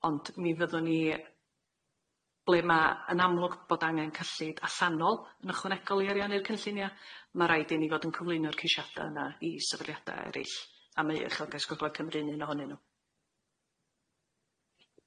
Ond mi fyddwn ni, ble ma' yn amlwg bod angen cyllid allanol yn ychwanegol i ariannu'r cynllunia' ma' raid i ni fod yn cyflwyno'r ceisiada yna i sefydliada eryll a mae Uchelgais Gogledd Cymru'n un ohonyn nw.